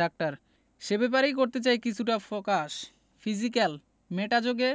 doctor সে ব্যাপারেই করতে চাই কিছুটা ফোকাস ফিজিক্যাল মেটা যোগে